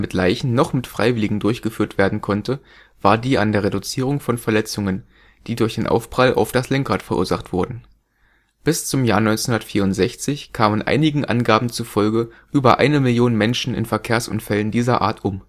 Leichen noch mit Freiwilligen durchgeführt werden konnte, war die an der Reduzierung von Verletzungen, die durch den Aufprall auf das Lenkrad verursacht wurden. Bis zum Jahr 1964 kamen einigen Angaben zufolge über eine Million Menschen in Verkehrsunfällen dieser Art um